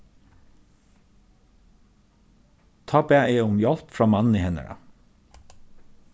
tá bað eg um hjálp frá manni hennara